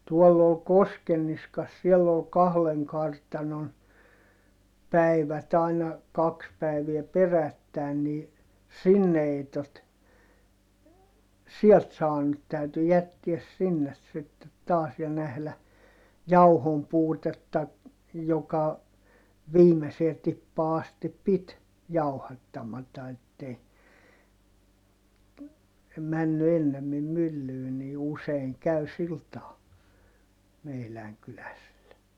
tuolla oli Koskenniskassa siellä oli kahden kartanon päivät aina kaksi päivää perättäin niin sinne ei - sieltä saanut täytyi jättää sinne sitten taas ja nähdä jauhonpuutetta joka viimeiseen tippaan asti piti jauhattamatta että ei mennyt ennemmin myllyyn niin usein kävi sillä tavalla meidän kyläisille